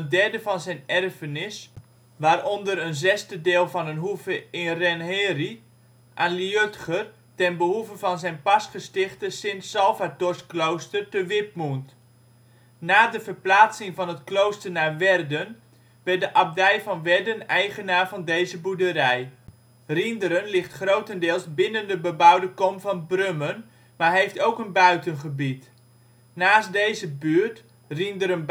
derde van zijn erfenis, waaronder een zesde deel van een hoeve in Hrenheri, aan Liudger ten behoeve van zijn pas gestichte Sint-Salvatorsklooster te Withmund. Na de verplaatsing van het klooster naar Werden werd de abdij van Werden eigenaar van deze boerderij. Rhienderen ligt grotendeels binnen de bebouwde kom van Brummen, maar heeft ook een buitengebied. Naast deze buurt, Rhienderen